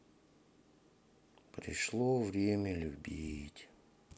пришло время любить